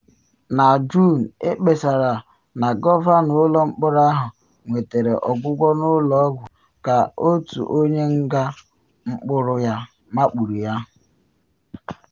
Na Juun ekpesara na gọvanọ ụlọ mkpọrọ ahụ nwetere ọgwụgwọ n’ụlọ ọgwụ ka otu onye nga makpuru ya.